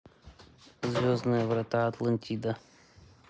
звездные врата атлантида